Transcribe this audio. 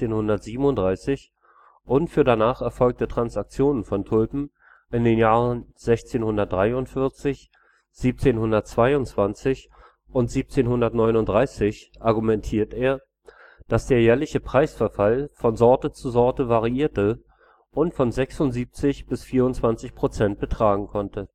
1637 und für danach erfolgte Transaktionen von Tulpen in den Jahren 1643, 1722 und 1739 argumentiert er, dass der jährliche Preisverfall von Sorte zu Sorte variierte und von 76 Prozent bis 24 Prozent betragen konnte